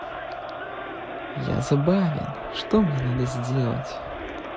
я забавен что мне надо сделать